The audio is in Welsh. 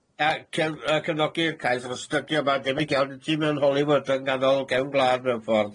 Yy cef- yy cefnogi'r cais achos dydi o... Ma'n debyg iawn i tŷ mewn Holywood yn nghanol cefn gwlad mewn ffordd.